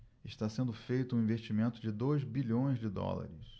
está sendo feito um investimento de dois bilhões de dólares